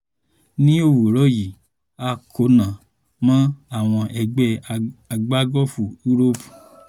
Ní òwúrò yí, a kóná mọ àwọn ẹgbẹ́ agbágọ́ọfù Úròòpù.